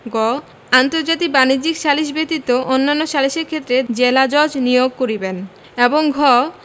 গ আন্তর্জাতিক বাণিজ্যিক সালিস ব্যতীত অন্যান্য সালিসের ক্ষেত্রে জেলাজজ নিয়োগ করিবেন এবং ঘ